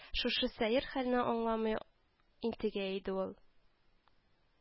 Шушы сәер хәлне аңлый алмый интегә иде ул